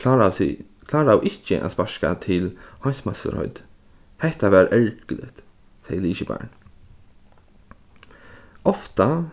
kláraðu ikki at sparka til heimsmeistaraheitið hetta var ergiligt segði liðskiparin ofta